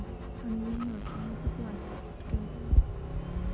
она вернется она заплачет слушать